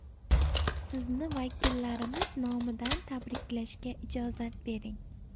sizni vakillarimiz nomidan tabriklashga ijozat bering